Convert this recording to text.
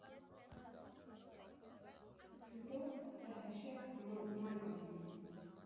Շուտով ՀՀՇ համագումար է լինելու։